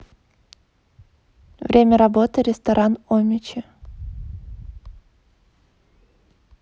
время работы ресторан омичи